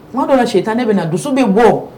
N' dɔ la si se tan ne bɛna na dusu bɛ bɔ